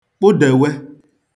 kpụdèwe